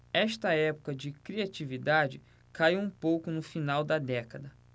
esta época de criatividade caiu um pouco no final da década